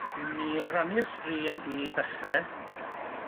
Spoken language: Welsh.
Dwi'n mynd i rannu'r sgrîn i ddechre.